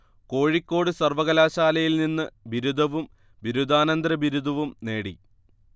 കോഴിക്കോട് സർവകലാശായിൽ നിന്ന് ബിരുദവും ബിരുദാനന്തര ബിരുദവും നേടി